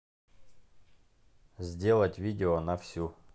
сделать вид на всю